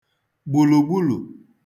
gbùlùgbulù